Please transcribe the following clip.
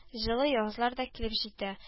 Җылы язлар да килеп җитә